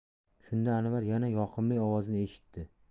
shunda anvar yana yoqimli ovozni eshitdi